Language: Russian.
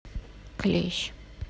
клещ